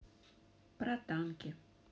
про танки